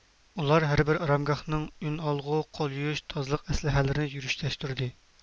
ئاڭكور يادىكارلىقى كامبودژىنىڭ كونا پايتەختى ھەم مۇھىم ساياھەت رايونى